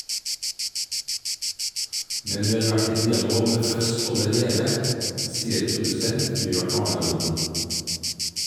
Men vi har vært i dialog med Fuzz allerede, sier produsent Bjørn Arne Odden.